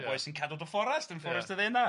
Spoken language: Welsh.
Y boi sy'n cadw dy fforest yn Fforest y Denau... Ia...